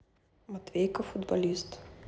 матвейка футболист